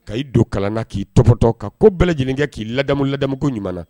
Ka' don kalan kan k'i tɔptɔ ka ko bɛɛ lajɛlen kɛ k'i ladamu ladamukoɲuman na